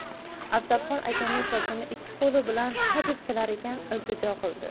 afzalxon akamning sochini ikki qo'li bilan hadeb silar ekan iltijo qildi